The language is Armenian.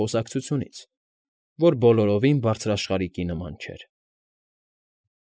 Խոսակցությունից, որ բոլորովին բարձրաշխարհիկի նման չէր։ ֊